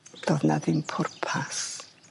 Do'dd 'na ddim pwrpas